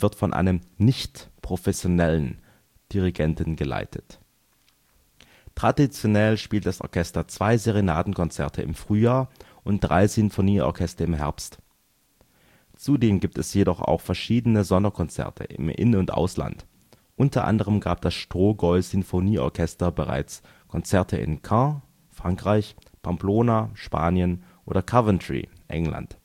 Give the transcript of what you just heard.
von einem nicht-professionellen Dirigenten geleitet. Traditionell spielt das Orchester zwei Serenadenkonzerte im Frühjahr und drei Sinfoniekonzerte im Herbst. Zudem gibt es jedoch auch verschiedene Sonderkonzerte im In - und Ausland. Unter anderem gab das Strohgäu-Sinfonieorchester bereits Konzerte in Caen (Frankreich), Pamplona (Spanien) oder Coventry (England